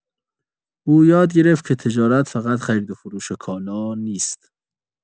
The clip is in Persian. او یاد گرفت که تجارت فقط خرید و فروش کالا نیست.